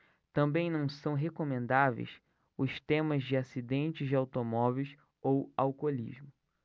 também não são recomendáveis os temas de acidentes de automóveis ou alcoolismo